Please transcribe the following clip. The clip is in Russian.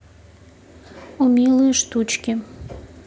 умелые штучки